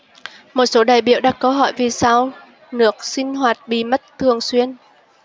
một số đại biểu đặt câu hỏi vì sao nước sinh hoạt bị mất thường xuyên